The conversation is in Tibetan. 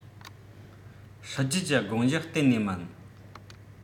སྲིད ཇུས ཀྱི དགོངས གཞི གཏན ནས མིན